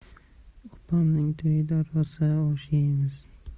opamning to'yida rosa osh yeymiz